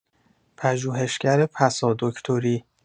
پژوهشگر پسادکتری